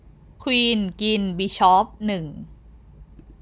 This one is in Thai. ควีนกินบิชอปหนึ่ง